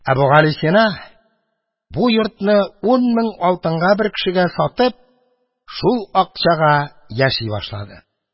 Әбүгалисина, бу йортны ун мең алтынга бер кешегә сатып, шул акчага яши башлады. Task #2228